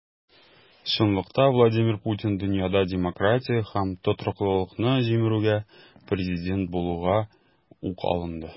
Чынлыкта Владимир Путин дөньяда демократия һәм тотрыклылыкны җимерүгә президент булуга ук алынды.